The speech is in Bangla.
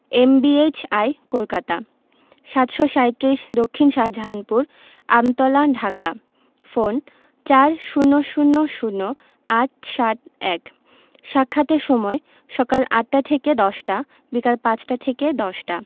M B H I Kolkata ৭৩৭ দক্ষিন শাহজাহানপুর আমতলা ঢাকা ফোনঃ ৪০০০ ৮৭১ সাক্ষাতের সময়ঃ সকাল ৮টা থেকে ১০টা বিকাল ৫টা থেকে ১০টা